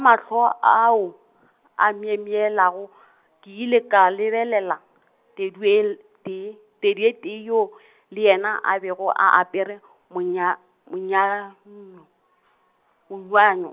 mahlo ao, a myemyelago , ke ile ka lebelela , Teduel- tee, Teduetee yoo , le yena a bego a apere, monya-, monyaga-, -nyo , -onwanyo.